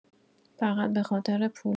فقط بخاطر پول